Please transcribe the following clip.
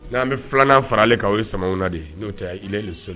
N'an bɛ filanan fara ale' ye sama na de ye n'o ni so